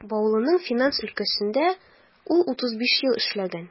Баулының финанс өлкәсендә ул 35 ел эшләгән.